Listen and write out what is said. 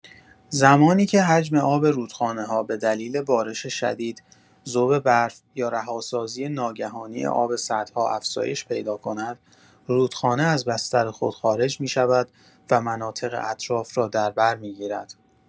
زمانی که حجم آب رودخانه‌ها به دلیل بارش شدید، ذوب برف یا رهاسازی ناگهانی آب سدها افزایش پیدا کند، رودخانه از بستر خود خارج می‌شود و مناطق اطراف را در بر می‌گیرد.